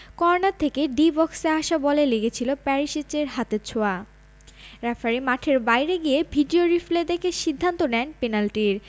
corner থেকে D বক্সে আসা বলে লেগেছিল পেরিসিচের হাতের ছোঁয়া রেফারি মাঠের বাইরে গিয়ে ভিডিও রিপ্লে দেখে সিদ্ধান্ত দেন পেনাল্টির